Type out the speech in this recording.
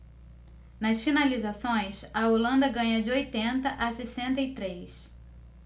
nas finalizações a holanda ganha de oitenta a sessenta e três